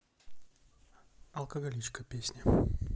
алкоголичка песня